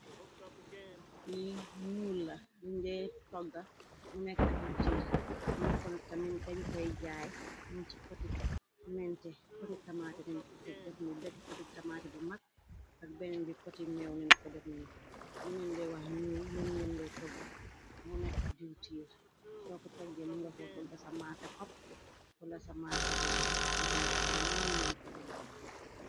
Lii nyuul la, li dey togga mu nekka diwtiir, ñuñ ko nata tamit, dañ koy jaay muñ ci poti mente, poti tamaate leen ko tek def nyuul, def poti tamate bu mag, ak benneen bi poti meew leen ko def nyuul, li lenj de wax ñuul, mum lende togga mu nekka diiwtiir, soo ko togge mu ngako togga sa mafe xobb, wala sa mafe dege, moo nekka ni ñuul leen kode wax.